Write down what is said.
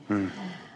Hmm